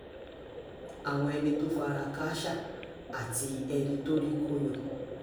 Àwọn Ẹni-tó-fara-kááṣá àti Ẹni-tórí-kó-yọ